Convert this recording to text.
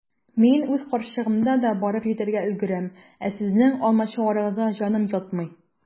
Мин үз карчыгымда да барып җитәргә өлгерәм, ә сезнең алмачуарыгызга җаным ятмый.